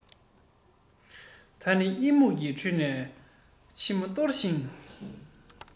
ད ནི ཡི མུག གི ཁྲོད ནས མཆི མ གཏོར ཞིང